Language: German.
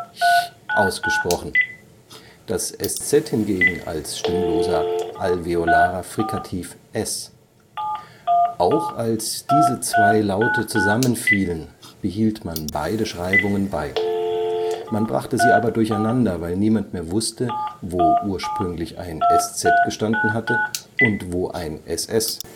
​ ausgesprochen, das sz hingegen als stimmloser alveolarer Frikativ [s]. Auch als diese zwei Laute zusammenfielen, behielt man beide Schreibungen bei. Man brachte sie aber durcheinander, weil niemand mehr wusste, wo ursprünglich ein sz gestanden hatte und wo ein ss.